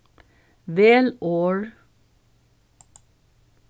vel orð